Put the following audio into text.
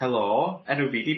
Helo enw fi 'di...